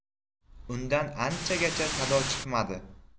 undan anchagacha sado chiqmadi